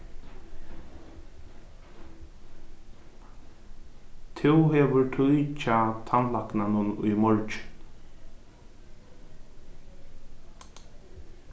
tú hevur tíð hjá tannlæknanum í morgin